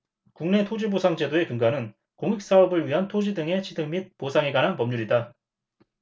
국내 토지보상제도의 근간은 공익사업을 위한 토지 등의 취득 및 보상에 관한 법률이다